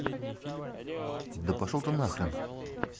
да пошел ты нахрен